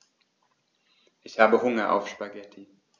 Ich habe Hunger auf Spaghetti.